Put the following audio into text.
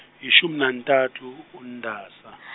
yishumi nantathu uNdasa .